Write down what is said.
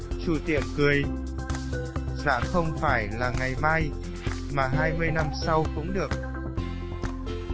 chủ tiệm dạ không phải là ngày mai mà năm sau cũng được